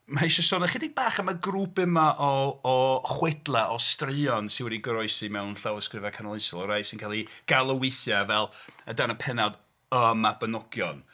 Mae isio sôn ychydig bach am y grŵp yma o... o chwedlau, o straeon sy wedi goroesi mewn llawysgrifau canoloesol, y rhai sy'n cael eu galw weithiau fel... o dan y pennawd Y Mabinogion.